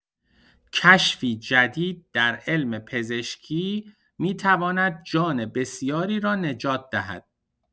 کشفی جدید در علم پزشکی می‌تواند جان بسیاری را نجات دهد.